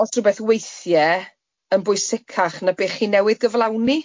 ...os rwbeth weithie, yn bwysicach na be chi'n newydd gyflawni.